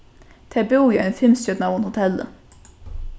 tey búðu í einum fimmstjørnaðum hotelli